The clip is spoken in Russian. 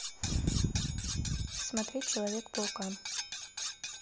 смотреть человек паука